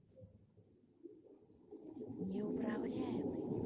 неуправляемый